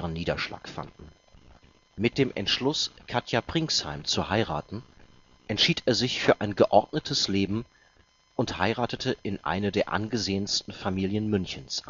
Niederschlag fanden. Mit dem Entschluss Katia Pringsheim zu heiraten, entschied er sich für ein „ geordnetes “Leben und heiratete in eine der angesehensten Familien Münchens